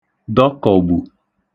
dọkọ̀gbù